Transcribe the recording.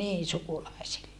niin sukulaisille